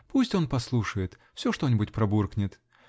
Пусть он послушает -- все что-нибудь пробуркнет!